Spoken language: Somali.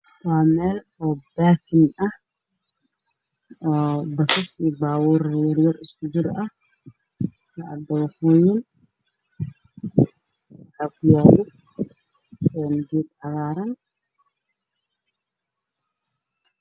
Waa meel baakin ah waxaa yaalo baabuuro yar yar iyo basas isku jir ah, iyo dabaqyo, waxaa kuyaalo geed cagaaran.